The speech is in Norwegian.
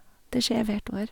Det skjer hvert år.